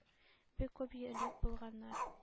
Бик күп элек булганнар.